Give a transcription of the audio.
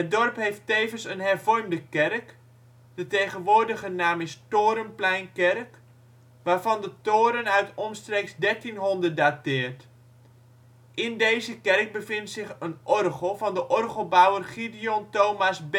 dorp heeft tevens een hervormde kerk (tegenwoordige naam Torenpleinkerk), waarvan de toren uit omstreeks 1300 dateert. In deze kerk bevindt zich een orgel van de orgelbouwer Gideon Thomas